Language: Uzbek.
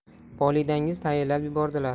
volidangiz tayinlab yubordilar